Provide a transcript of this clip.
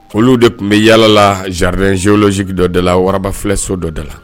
Olu de tun bɛ yalala zanareɛnze jgin dɔ da la wararaba filɛso dɔda la